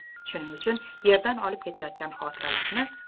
shuning uchun yerdan olib ketayotgan xotiralarni